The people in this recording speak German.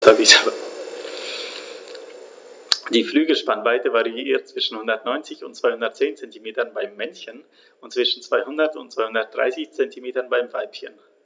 Die Flügelspannweite variiert zwischen 190 und 210 cm beim Männchen und zwischen 200 und 230 cm beim Weibchen.